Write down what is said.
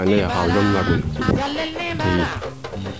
xaal moom wax degg i